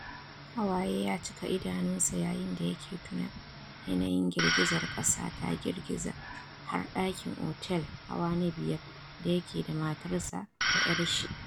Hawaye ya cika idanunsa yayin da yake tuna yanayin girgizar kasa ta girgiza har dakin otel hawa na biyar da yake da matarsa ​​da 'yar shi.